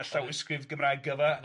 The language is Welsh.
a llawysgrif Gymraeg gyfa Na ti.